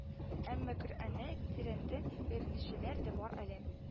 Әмма коръәнне тирәнтен өйрәнүчеләр дә бар әле